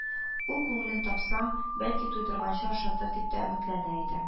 Ул, күңелен тапсам, бәлки туйдырганчы ашатыр дип тә өметләнә иде